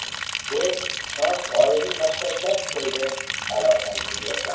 sen sof g'oyaviy maqsadlar tufayli aloqangni uzyapsan